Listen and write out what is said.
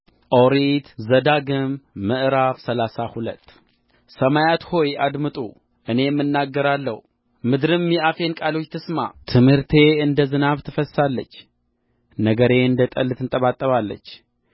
ኦሪት ዘዳግም ምዕራፍ ሰላሳ ሁለት ሰማያት ሆይ አድምጡ እኔም እናገራለሁ ምድርም የአፌን ቃሎች ትስማ ትምህርቴ እንደ ዝናብ ትፈስሳለች ነገሬ እንደ ጠል ትንጠባጠባለች